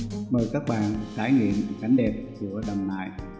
mời các bạn trải nghiệm cảnh đẹp của đầm nại